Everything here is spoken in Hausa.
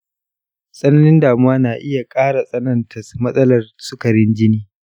tsananin damuwa na iya ƙara tsananta matsalar sukarin jini.